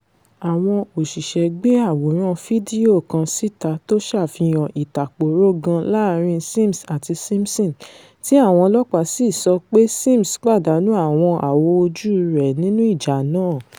Àwọn òṣìṣẹ́ gbé àwòrán fídíò kan síta tó ṣàfihàn ìtàpórógan láàrin Sims àti Simpson, tí àwọn ọlọ́ọ̀pá sì sọ pé Sims pàdánù àwọn awò ojú rẹ̀ nínú ìjá náà.